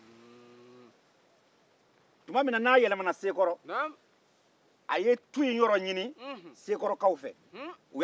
tu ma min na n'a yɛlɛmana seekɔrɔ a ye tu in yɔrɔ ɲini sekɔrɔkaw fɛ